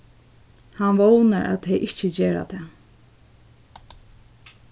hann vónar at tey ikki gera tað